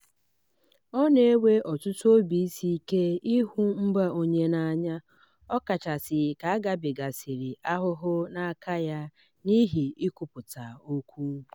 Ọ na-ewe ọtụtụ obi isiike ịhụ mba onye n'anya ọkachasị ka a gabigasịrị ahụhụ n'aka ya n'ihi ikwupụta okwu.